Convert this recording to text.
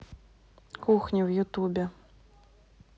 кухня в ютубе